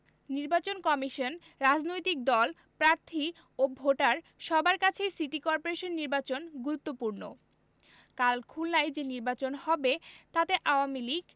নির্বাচন কমিশন রাজনৈতিক দল প্রার্থী ও ভোটার সবার কাছেই সিটি করপোরেশন নির্বাচন গুরুত্বপূর্ণ কাল খুলনায় যে নির্বাচন হবে তাতে আওয়ামী লীগ